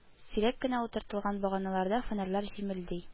Сирәк кенә утыртылган баганаларда фонарьлар җемелди